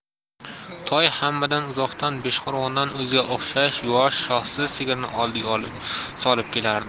toy hammadan uzoqdan beshqo'rg'ondan o'ziga o'xshash yuvosh shoxsiz sigirini oldiga solib kelardi